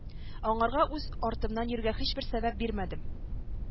Аңарга үз артымнан йөрергә һичбер сәбәп бирмәдем